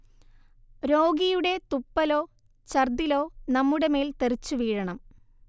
രോഗിയുടെ തുപ്പലോ ഛർദ്ദിലോ നമ്മുടെ മേൽ തെറിച്ചു വീഴണം